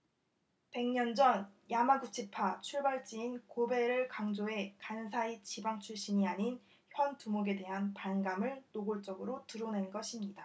백 년 전 야마구치파 출발지인 고베를 강조해 간사이 지방 출신이 아닌 현 두목에 대한 반감을 노골적으로 드러낸 것입니다